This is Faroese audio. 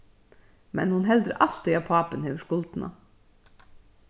men hon heldur altíð at pápin hevur skuldina